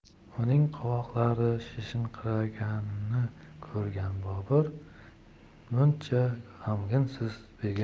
uning qovoqlari shishinqiraganini ko'rgan bobur muncha g'amginsiz begim